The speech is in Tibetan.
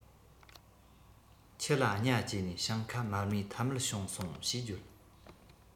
ཁྱི ལ གཉའ བཅས ནས ཞིང ཁ མ རྨོས ཐབས མེད བྱུང སོང ཞེས བརྗོད